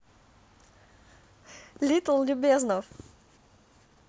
little любезнов